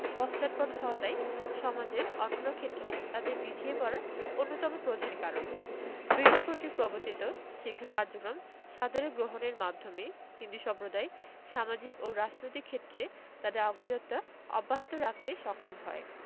পশ্চাৎপদ হওয়াটাই সমাজের অন্যান্য ক্ষেত্রে তাদের পিছিয়ে পড়ার অন্যতম প্রধান কারণ ব্রিটিশ কর্তৃক প্রবর্তিত শিক্ষা কার্যক্রম সাদরে গ্রহণের মাধ্যমে হিন্দু সম্প্রদায় সামাজিক ও রাজনৈতিক ক্ষেত্রে তাদের অগ্রযাত্রা অব্যাহত রাখতে সক্ষম হয়